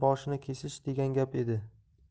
boshini kesish degan gap edi